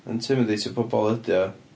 Intimidetio pobol ydy o.